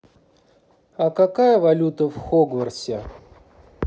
а какая валюта в хогвартсе